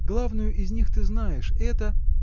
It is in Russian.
Главную из них ты знаешь — это.